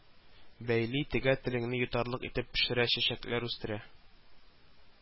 Бәйли, тегә, телеңне йотарлык итеп пешерә, чәчәкләр үстерә